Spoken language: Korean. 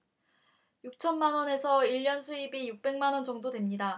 육 천만 원 해서 일 년 수입이 육 백만 원 정도 됩니다